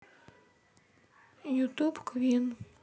ютуб квин